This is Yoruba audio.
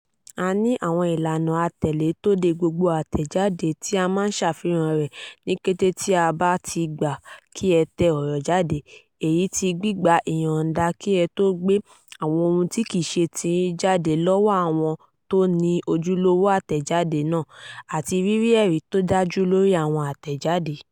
A ní àwọn ìlànà àtẹ̀lé tó de gbogbo àtẹ̀jáde tí a máa ṣàfihàn rẹ̀ ní kété tí a bá ti gbà kí ẹ tẹ ọ̀rọ̀ jáde, èyí tí gbígba ìyọ̀nda kí ẹ tóo gbé àwọn ohun tí kìí ṣe tiyín jáde lọ́wọ́ àwọn tó ni ojúlówó àtẹ̀jáde náà àti rírí ẹ̀rí tó dájú lórí àwọn àtẹ̀jadé.